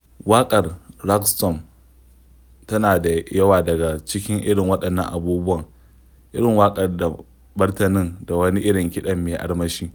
Waƙar "Rag Storm" tana da da yawa daga cikin irin waɗannan abubuwan - irin waƙar da martanin, da wani irin kiɗan mai armashi.